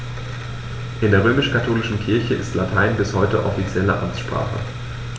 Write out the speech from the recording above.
In der römisch-katholischen Kirche ist Latein bis heute offizielle Amtssprache.